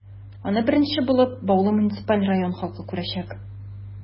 Аны беренче булып, Баулы муниципаль районы халкы күрәчәк.